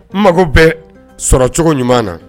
N mago bɛ sɔrɔcogo ɲuman na